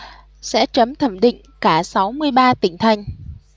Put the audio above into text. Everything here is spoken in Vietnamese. sẽ chấm thẩm định cả sáu mươi ba tỉnh thành